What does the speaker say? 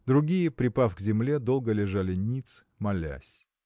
Другие, припав к земле, долго лежали ниц, молясь.